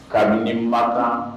Kabiniba kan